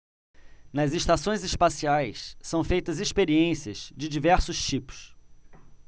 nas estações espaciais são feitas experiências de diversos tipos